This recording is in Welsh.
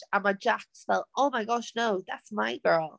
A mae Jax fel "oh my gosh no, that's my girl!"